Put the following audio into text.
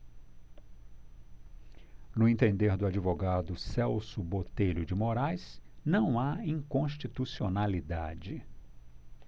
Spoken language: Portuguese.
no entender do advogado celso botelho de moraes não há inconstitucionalidade